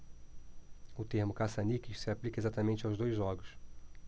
o termo caça-níqueis se aplica exatamente aos dois jogos